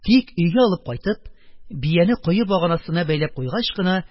Тик өйгә алып кайтып, бияне кое баганасына бәйләп куйгач кына,